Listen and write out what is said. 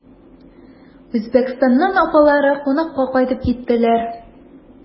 Үзбәкстаннан апалары кунакка кайтып киттеләр.